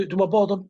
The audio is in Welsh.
dwi dwi me'wl bod o